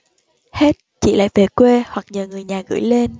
hết chị lại về quê hoặc nhờ người nhà gửi lên